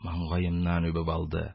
Маңгаемнан үбеп алды,